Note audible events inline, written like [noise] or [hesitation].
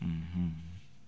[hesitation] [hesitation]